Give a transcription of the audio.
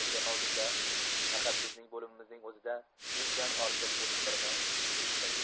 o'tgan mavsumda faqat bizning bo'limimizning o'zida yuzdan ortiq o'smimi sud qildik